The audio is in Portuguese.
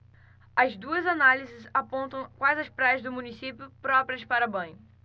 as duas análises apontam quais as praias do município próprias para banho